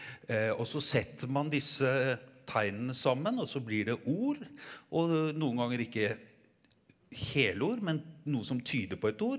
og så setter man disse tegnene sammen og så blir det ord og noen ganger ikke helord men noe som tyder på et ord.